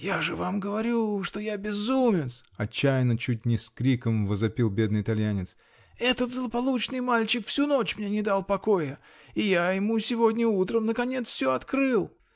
-- Я же вам говорю, что я безумец, -- отчаянно, чуть не с криком возопил бедный итальянец, -- этот злополучный мальчик всю ночь мне не дал покоя -- и я ему сегодня утром, наконец, все открыл!